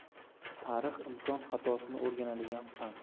tarix inson xatosini o'rganadigan fan